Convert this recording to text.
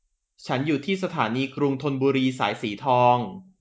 ฉันอยู่ที่สถานีกรุงธนบุรีสายสีทอง